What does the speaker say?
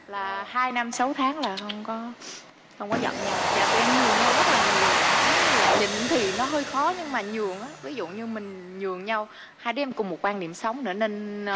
là hai năm sáu tháng là không có không có giận nhau dạ tụi em nhường nhau rất là nhiều giống như là nhìn thì nó hơi khó nhưng mà nhường ví dụ như mình nhường nhau hai đứa em cùng một quan niệm sống nữa nên